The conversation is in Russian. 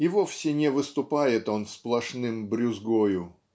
и вовсе не выступает он сплошным брюзгою.